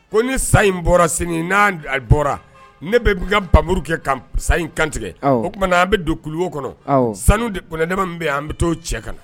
Ko ni sa in bɔra segin n' bɔra ne bɛ' ka npmuru kɛ sa in kantigɛ o tumaumana na an bɛ don kulu kɔnɔ sanuɛɛma min bɛ an bɛ to cɛ ka na